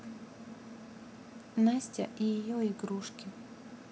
настя и ее игрушки